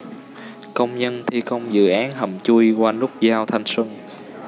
công nhân thi công dự án hầm chui qua nút giao thanh xuân